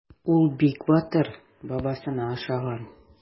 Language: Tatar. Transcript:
Ул бик батыр, бабасына охшаган.